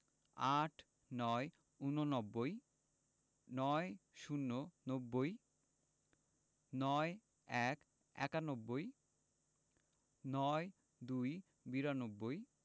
৮৯ – ঊননব্বই ৯০ - নব্বই ৯১ - একানব্বই ৯২ - বিরানব্বই